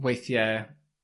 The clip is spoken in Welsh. weithie